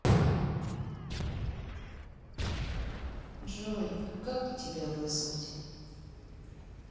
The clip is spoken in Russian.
джой как тебя вызвать